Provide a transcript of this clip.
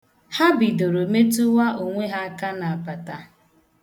Ha bidoro metuwa onwe ha aka n'apata.